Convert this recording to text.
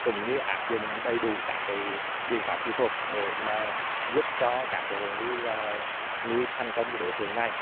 cũng như áp dụng đầy đủ các cái biện pháp kỹ thuật để mà giúp cho các hộ nuôi là nuôi thành công cái đối tượng này